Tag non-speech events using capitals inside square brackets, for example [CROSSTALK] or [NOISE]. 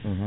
[HESITATION] [HESITATION]